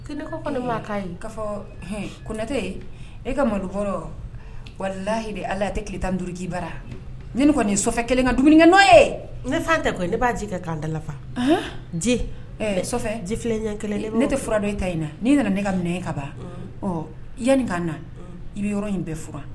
Ne k'a fɔ kotɛ e ka malokɔrɔ walahi ala a tɛ tile tan duuruuruki bara ne kɔni nin ye kelen ka dugu kɛ n' ye ne fa tɛkɔ ne b'a jɛ ka' dala fi ne tɛ fura dɔ e ta in na ni'i nana ne ka minɛ ka ban i yanani' na i bɛ yɔrɔ in bɛɛ f